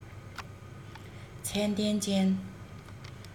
ཚད ལྡན ཅན